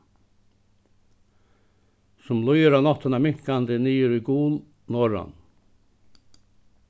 sum líður á náttina minkandi niður í gul norðan